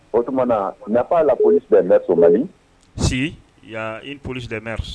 O tuma nafa'a laolimɛtobali sigi iolisimɛ